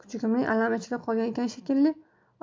kuchugimning alami ichida qolgan ekan shekilli